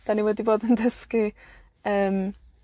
'Dan ni wedi bod yn dysgu, yym